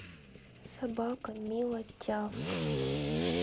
собака мило тявкает